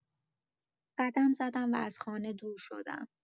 قدم زدم و از خونه دور شدم.